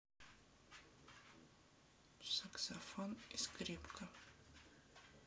саксофон и скрипка